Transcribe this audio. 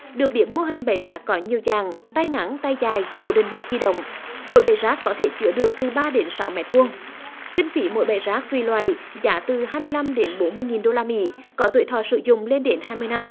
được biết mô hình bãi rác có nhiều dạng tay ngắn tay dài cố định hoặc di động mỗi bãi rác có thể chứa được từ ba đến sáu mét vuông kinh phí mỗi bãi rác tùy loại giá từ hai mươi lăm đến bốn mươi nghìn đô la mỹ có tuổi thọ sử dụng lên đến hai mươi năm